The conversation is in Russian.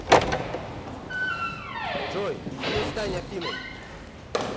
джой а ну стань афиной